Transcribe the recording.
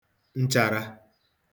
nchārā